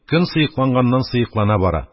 Кан сыекланганнан-сыеклана бара.